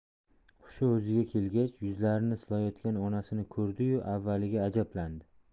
hushi o'ziga kelgach yuzlarini silayotgan onasini ko'rdi yu avvaliga ajablandi